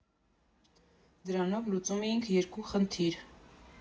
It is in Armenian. Դրանով լուծում էինք երկու խնդիր.